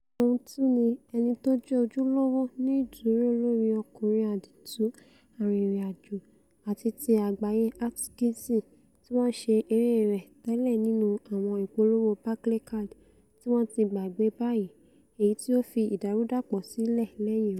Òun tún ni ẹnitójẹ ojúlówo ní idúró lóri ọkùnrin àdììtú arìnrìn-àjò àti ti àgbáyé Atkinson tí wọn ṣe eré rẹ̀ tẹ́lẹ̀ nínú àwọn ìpolówó Barclaycard tíwọ́n ti gbàgbé báyìí, èyití ó fi ìdàrúdàpọ̀ sílẹ̀ lẹ́yìn rẹ̀.